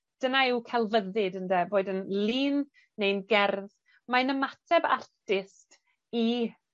dyna yw celfyddyd ynde boed yn lun neu'n gerdd mae'n ymateb artist i